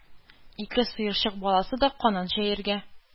Ике сыерчык баласы да канат җәяргә